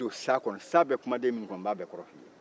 n bɛ don sa kɔnɔ sa bɛ kumanden minnu kɔnɔ n b'a bɛɛ fɔ i ye